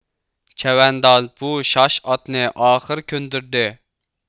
چەۋەنداز بۇ شاش ئاتنى ئاخىر كۆندۈردى